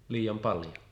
liian paljon